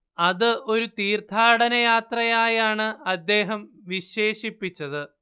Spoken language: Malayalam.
അത് ഒരു തീർത്ഥാടനയാത്രയായാണ് അദ്ദേഹം വിശേഷിപ്പിച്ചത്